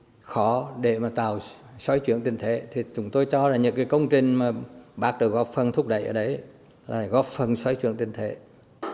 khó để mà tạo xoay chuyển tình thế thiệt chúng tôi cho là những công trình mà bác đã góp phần thúc đẩy ở đấy lại góp phần xoay chuyển tình thế